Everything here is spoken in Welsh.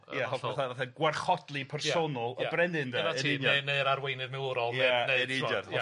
Ia hollol fel fatha gwarchodlu personol... Ia. ...y brenin 'de. Dyna ti. neu neu'r arweinydd milwrol